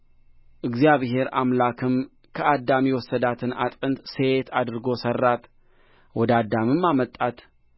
እግዚአብሔር አምላክም ከአዳም የወሰዳትን አጥንት ሴት አድርጎ ሠራት ወደ አዳምም አመጣት